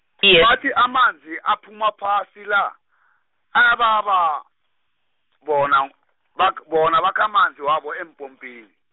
bathi amanzi aphuma phasi la, ayababa, bona bakh- bona bakha amanzi wabo epompini.